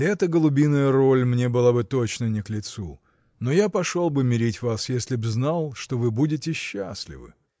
Эта голубиная роль мне была бы точно не к лицу — но я пошел бы мирить вас, если б знал, что вы будете счастливы.